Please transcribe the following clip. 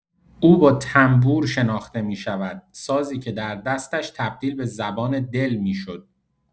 او با تنبور شناخته می‌شود، سازی که در دستش تبدیل به زبان دل می‌شد.